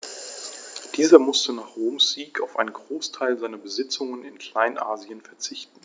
Dieser musste nach Roms Sieg auf einen Großteil seiner Besitzungen in Kleinasien verzichten.